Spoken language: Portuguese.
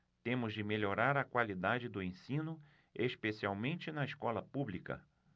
temos de melhorar a qualidade do ensino especialmente na escola pública